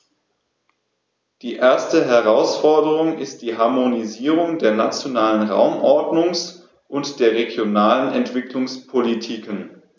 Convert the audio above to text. Die erste Herausforderung ist die Harmonisierung der nationalen Raumordnungs- und der regionalen Entwicklungspolitiken.